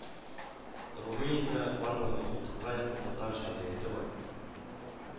Румыниядә барлыгы утызга якын татар җәмгыяте бар